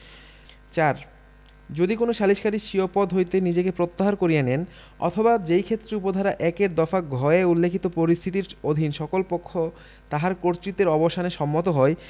৪ যদি কোন সালিসকারী স্বীয় পদ হইতে নিজেকে প্রত্যাহার করিয়া নেন অথবা যেইক্ষেত্রে উপ ধারা ১ এর দফা ঘ এ উল্লেখিত পরিস্থিতির অধীন সকল পক্ষ তাহার কর্তৃত্বের অবসানে সম্মত হয়